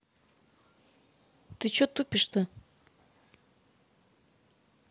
ты че тупишь то